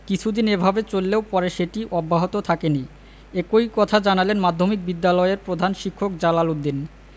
কিছুদিন এভাবে চললেও পরে সেটি অব্যাহত থাকেনি একই কথা জানালেন মাধ্যমিক বিদ্যালয়ের প্রধান শিক্ষক জালাল উদ্দিন